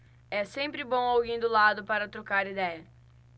é sempre bom alguém do lado para trocar idéia